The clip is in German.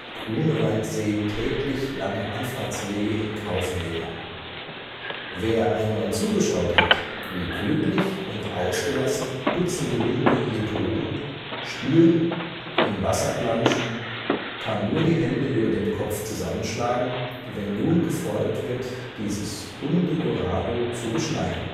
Grunewaldsee täglich lange Anfahrtswege in Kauf nehmen. Wer einmal zugeschaut hat, wie glücklich und ausgelassen Dutzende Hunde […] hier toben, spielen, im Wasser planschen, kann nur die Hände über dem Kopf zusammenschlagen, wenn nun gefordert wird, dieses Hunde-Dorado zu beschneiden